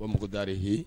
Ko dari h